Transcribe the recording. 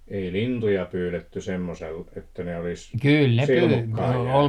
ei lintuja pyydetty semmoisella että ne olisi silmukkaan jäänyt